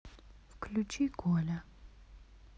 включи коля